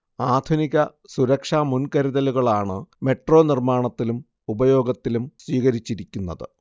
അത്യാധുനിക സുരക്ഷാ മുൻകരുതലുകളാണ് മെട്രോ നിർമ്മാണത്തിലും ഉപയോഗത്തിലും സ്വീകരിച്ചിരിക്കുന്നത്